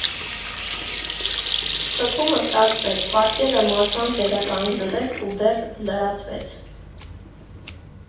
Շփումը ստացվեց, պատկերը մասամբ վերականգնվեց ու դեռ լրացվեց.